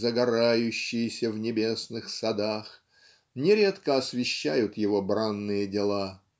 загорающиеся в небесных садах" нередко освещают его бранные дела.